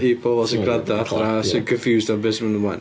People sy'n gwrando adra sy'n confused am be sy'n mynd ymlaen.